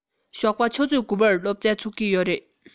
ཞོགས པ ཆུ ཚོད དགུ པར སློབ ཚན ཚུགས ཀྱི ཡོད རེད